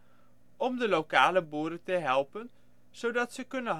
om de lokale boeren te helpen, zodat ze kunnen handelen